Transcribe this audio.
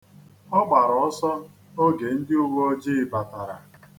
Ọ gbara ọsọ oge ndị uwe ojii batara.